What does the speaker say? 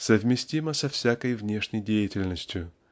совместимо со всякой внешней деятельностью